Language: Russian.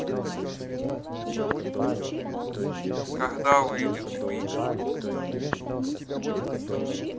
когда выйдет квик